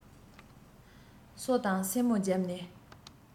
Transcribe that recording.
སོ དང སེན མོ བརྒྱབ ནས